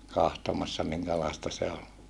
katsomassa minkälaista se oli